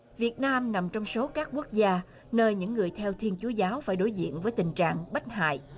việt nam nằm trong số các quốc gia nơi những người theo thiên chúa giáo phải đối diện với tình trạng bất hai